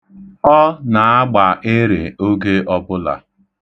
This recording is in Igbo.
Ọ na-agba ere oge ọbụla.